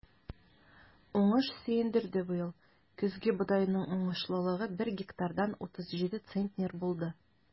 Уңыш сөендерде быел: көзге бодайның уңышлылыгы бер гектардан 37 центнер булды.